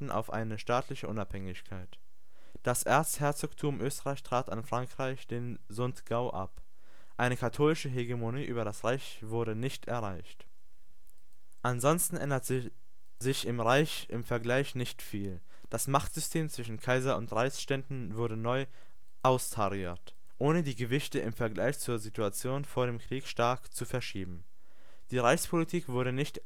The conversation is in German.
auf eine staatliche Unabhängigkeit. Das Erzherzogtum Österreich trat an Frankreich den Sundgau ab. Eine katholische Hegemonie über das Reich wurde nicht erreicht. Ansonsten änderte sich im Reich im Vergleich nicht viel, das Machtsystem zwischen Kaiser und Reichsständen wurde neu austariert, ohne die Gewichte im Vergleich zur Situation vor dem Krieg stark zu verschieben. Die Reichspolitik wurde nicht